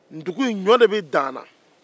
dugu in ɲɔ de bɛ dan a la